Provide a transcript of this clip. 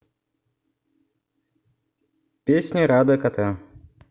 песня рада кота